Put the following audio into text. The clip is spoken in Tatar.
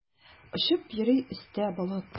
Очып йөри өстә болыт.